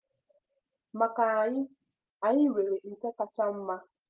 Maka anyị, anyị nwere nke kacha mma.